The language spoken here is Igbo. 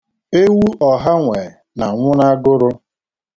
Ewu ọha nwe na-anwụ n'agụrụ.